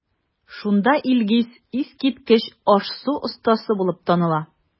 Шунда Илгиз искиткеч аш-су остасы булып таныла.